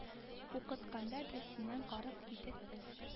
Укытканда да синнән гарык идек без